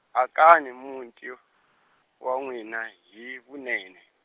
akani muti, wa n'wina hi vunene.